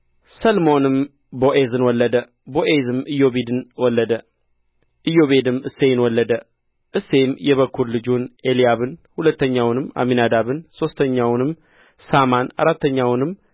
ሰልሞንም ቦዔዝን ወለደ ቦዔዝም ኢዮቤድን ወለደ ኢዮቤድም እሴይን ወለደ እሴይም የበኵር ልጁን ኤልያብን ሁለተኛውንም አሚናዳብን ሦስተኛውንም ሣማን አራተኛውንም